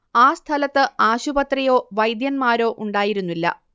ആ സ്ഥലത്ത് ആശുപത്രിയോ വൈദ്യന്മാരോ ഉണ്ടായിരുന്നില്ല